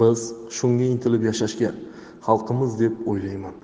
da biz shunga intilib yashashga haqlimiz deb o'ylayman